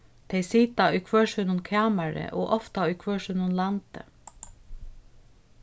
tey sita í hvør sínum kamari og ofta í hvør sínum landi